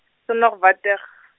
Sonderwater.